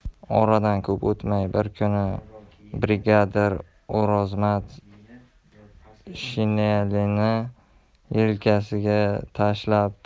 oradan ko'p o'tmay bir kuni brigadir o'rozmat shinelini yelkasiga tashlabdi